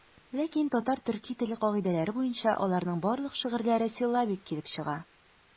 Ләкин татар-төрки теле кагыйдәләре буенча аларның барлык шигырьләре силлабик килеп чыга.